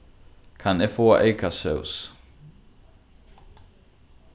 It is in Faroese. kann eg fáa eyka sós